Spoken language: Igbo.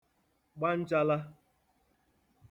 gba nchalā